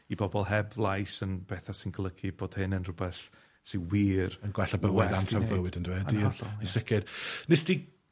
i bobol heb lais yn betha sy'n golygu sy wir yn gwella bywyd ansawdd bywyd on'd yw e? Yn hollol. Yn sicir. Nes di